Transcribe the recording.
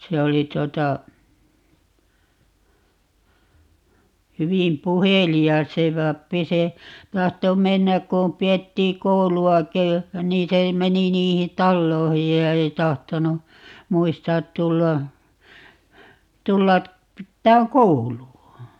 se oli tuota hyvin puhelias se pappi se tahtoi mennä kun pidettiin kouluakin niin se meni niihin taloihin ja ei tahtonut muistaa tulla tulla pitämään koulua